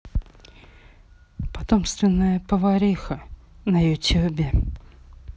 потомственная повариха на ютюбе